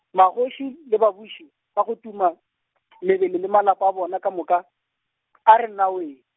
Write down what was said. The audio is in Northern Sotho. magoši, le babuši, ba go tuma , mebele le malapa a bona ka moka , a re nnawee.